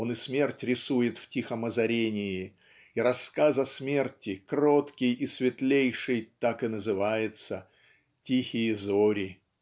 он и смерть рисует в тихом озарении и рассказ о смерти кроткий и светлейший так и называется "Тихие зори".